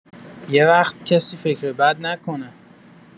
یوقت کسی فکر بد نکنه!